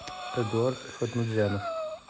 эдуард хатнудзянов